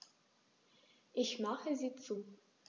Ich mache sie zu.